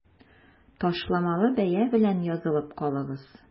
Ташламалы бәя белән язылып калыгыз!